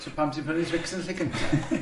So pam ti'n prynu Twix yn y lle cynta?